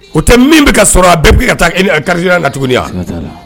O tɛ min bɛ ka sɔrɔ a bɛɛ bi ka taa kari la tuguni wa